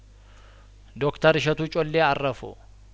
ዶክተር እሸቱ ጮሌ አረፉ